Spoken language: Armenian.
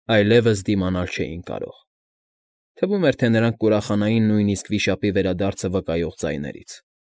Այլևս դիմանալ չէին կարող։ Թվում էր, թե նրանք կուրախանային նույնիսկ վիշապի վերադարձը վկայող ձայներից։